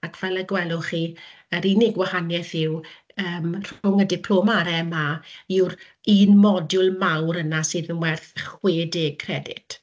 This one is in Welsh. Ac fel y gwelwch chi, yr unig wahaniaeth yw yym rhwng y diploma a'r MA yw'r un modiwl mawr yna sydd yn werth chwedeg credyd.